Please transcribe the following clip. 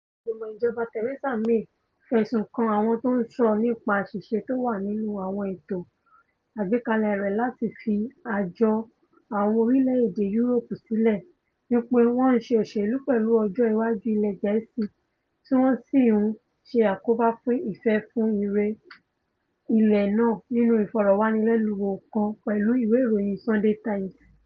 Àdari Ìgbìmọ̀ Ìjọba Theresa May fẹ̀sùn kan àwọn tó ńsọ nípa ȧṣiṣe tówà nínú àwọn ètò àgbékalẹ rẹ̀ láti fi Àjọ Àwọn orílẹ̀-èdè Yúróòpù sílẹ̀ wí pé wọ́n ''ńṣe òṣèlú́'' pẹ̀lú ọjọ́ iwájú ilẹ̀ Gẹ̀ẹ́sì tí wọn sì ńṣe àkóbá fún ìfẹ́-fún-ire ilẹ̀ náà nínú ìfọ̀rọ̀wánilẹ́nuwò kan pẹlu ìwé ìròyìn Sunday Times.